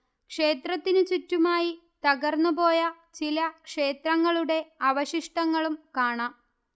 ക്ഷേത്രത്തിനു ചുറ്റുമായി തകർന്നുപോയ ചില ക്ഷേത്രങ്ങളുടെ അവശിഷ്ടങ്ങളും കാണാം